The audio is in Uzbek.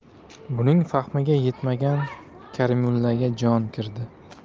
buning fahmiga yetmagan karimullaga jon kirdi